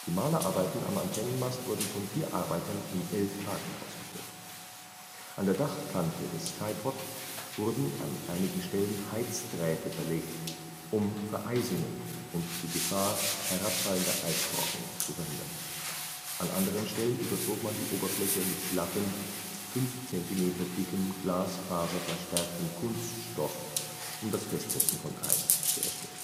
Malerarbeiten am Antennenmast wurden von vier Arbeitern in elf Tagen ausgeführt. An der Dachkante des Sky Pod wurden an einigen Stellen Heizdrähte verlegt, um Vereisungen und die Gefahr herabfallender Eisbrocken zu verhindern. An anderen Stellen überzog man die Oberfläche mit glattem, fünf Zentimeter dickem, glasfaserverstärktem Kunststoff, um das Festsetzen von Eis zu erschweren